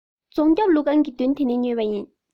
རྫོང རྒྱབ ཀླུ ཁང གི མདུན དེ ནས ཉོས པ ཡིན